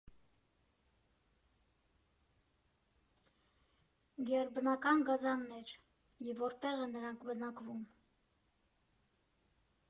Գերբնական գազաններ, և որտեղ են նրանք բնակվում։